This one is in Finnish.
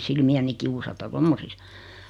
silmiäni kiusata tuommoisissa